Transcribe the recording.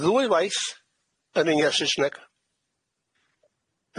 Ddwy waith yn unia Sysneg.